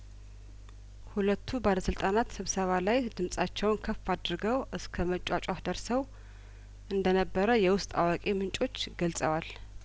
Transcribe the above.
ሁለቱ ባለስልጣናት ስብሰባ ላይ ድምጻቸውን ከፍ አድርገው እስከመጯጫህ ደርሰው እንደነበረ የውስጥ አዋቂ ምንጮች ገልጸዋል